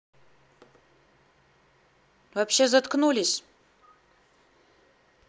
вообще заткнулась